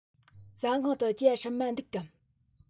ཟ ཁང དུ ཇ སྲུབས མ འདུག གམ